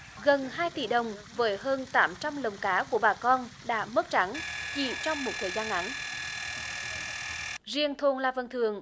gần hai tỷ đồng với hơn tám trăm lồng cá của bà con đã mất trắng chỉ trong một thời gian ngắn riêng thôn la vân thượng